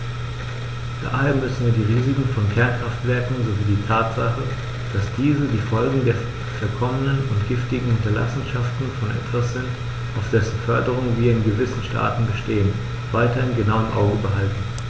Daher müssen wir die Risiken von Kernkraftwerken sowie die Tatsache, dass diese die Folgen der verkommenen und giftigen Hinterlassenschaften von etwas sind, auf dessen Förderung wir in gewissen Staaten bestehen, weiterhin genau im Auge behalten.